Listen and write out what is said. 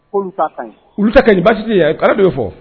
K'olu ta kaɲi; Olu ta kaɲi basi tɛ yen, Ara de y'o fɔ.